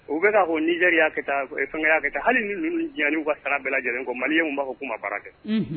U bɛka fɔ ko nijɛri y'a kɛ tan, fɛnkɛ y'akɛ tan, hali ni u jɛnna u ka sara bɛɛ lajɛlen kɔ maliɲɛw b'a fɔ k'u ma ma baara kɛ